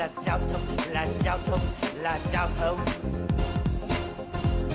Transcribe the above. là giao thông là giao thông là giao thông